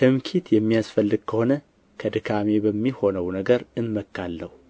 ትምክህት የሚያስፈልግ ከሆነ ከድካሜ በሚሆነው ነገር እመካለሁ